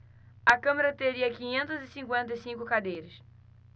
a câmara teria quinhentas e cinquenta e cinco cadeiras